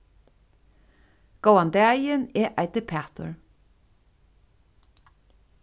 góðan dagin eg eiti pætur